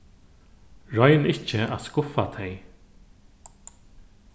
royn ikki at skuffa tey